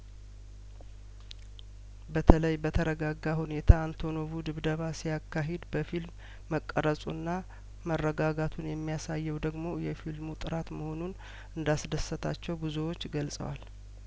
በተለይ በተረጋጋ ሁኔታ አንቶኖቩ ድብደባ ሲያካሂድ በፊልም መቀረጹና መረጋጋቱን የሚያሳየው ደግሞ የፊልሙ ጥራት መሆኑን እንዳስ ደሰታቸው ብዙዎች ገልጸዋል